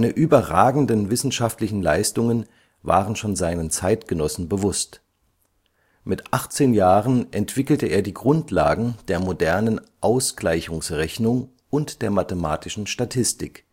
überragenden wissenschaftlichen Leistungen waren schon seinen Zeitgenossen bewusst. Mit 18 Jahren entwickelte er die Grundlagen der modernen Ausgleichungsrechnung und der mathematischen Statistik